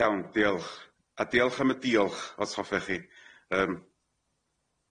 Iawn diolch a diolch am y diolch os hoffech chi yym.